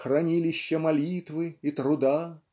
Хранилища молитвы и труда.